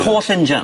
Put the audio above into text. Yr holl injan?